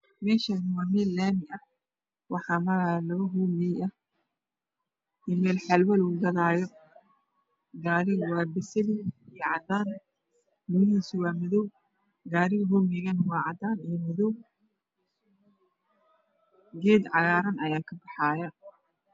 Halkan waa lami waxa marayo casi iyo nooho kalar kode waa qalin iyo binki iyo cadan